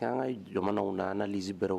' ka jamanaw na an zi bɛw